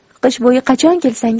qish bo'yi qachon kelsangiz